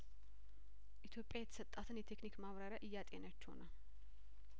ኢትዮጵያ የተሰጣትን የቴክኒክ ማብራሪያ እያጤነችው ነው